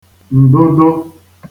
ǹdụdụ